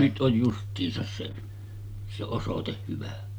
nyt on justiinsa se se osoite hyvä